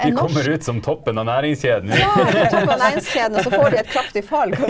de kommer ut som toppen av næringskjeden .